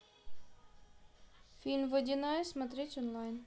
фильм водяная смотреть онлайн